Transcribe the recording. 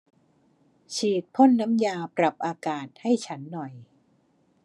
ฉีดพ่นน้ำยาปรับอากาศให้ฉันหน่อย